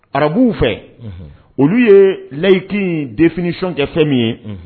Arabuw fɛ olu ye layiki in definisiyɔn kɛ fɛn min ye